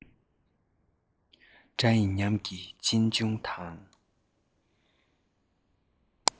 སྒྲ ཡིན ཉམས ཀྱིས གཅེན གཅུང དང